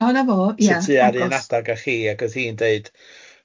O na fo ie. So ti ar un adag â chi ac oedd hi'n deud.